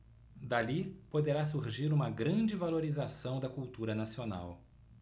dali poderá surgir uma grande valorização da cultura nacional